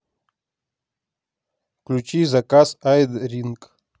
включи заказ айдринк